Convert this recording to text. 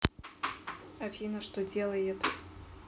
афина что делает